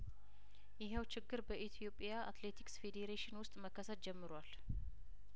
ይኸው ችግር በኢትዮጵያ አትሌቲክስ ፌዴሬሽን ውስጥ መከሰት ጀምሯል